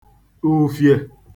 ùfiè